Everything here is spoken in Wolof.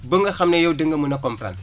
ba nga xam ne yowx di nga mën a comprendre